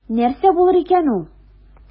Нәрсә булыр икән ул?